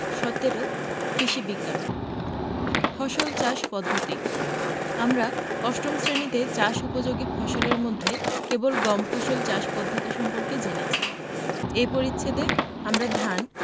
১৭ কৃষি বিজ্ঞান ফসল চাষ পদ্ধতি আমরা অষ্টম শ্রেণিতে চাষ উপযোগী ফসলের মধ্যে কেবল গম ফসল চাষ পদ্ধতি সম্পর্কে জেনেছি এ পরিচ্ছেদে আমরা ধান